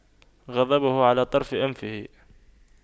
غضبه على طرف أنفه